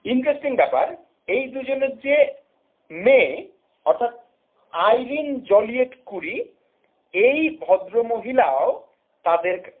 interesting ব্যাপার এই দুজনের যে মেয়ে অর্থাৎ আইরিন জলিয়েট কুরি এই ভদ্র মহিলাও তাদের